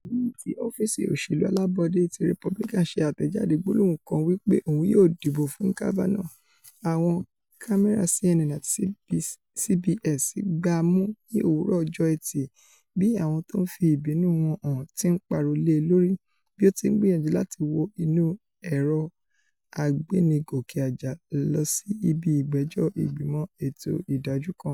Lẹ́yìn tí ọ́fíìsì òṣèlú alábọ́dé ti Republican ṣe àtẹ̀jáde gbólóhùn kan wí pé òun yóò dìbò fún Kavanaugh, àwọn kámẹ́rà CNN àti CBS gbá a mú ní òwúrọ̀ ọjọ́ Ẹtì bí àwọn tó ń fì ìbínú wọn hàn ti ń pariwo lé e lórí bí ó ti ń gbiyanju láti wọ inú ẹ̀rọ agbénigòke-àjà lọ́si ibi ìgbéjọ́ Ìgbìmọ̀ Ètò Ìdájọ́ kan.